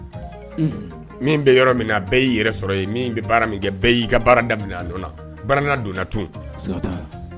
unhu, min bɛ yɔrɔ min na , bɛ y'i yɛrɛ sɔrɔ yen , min bɛ baara min kɛ, bɛɛ y'i ka baar daminɛ a nɔ na, barankari donna tuguni!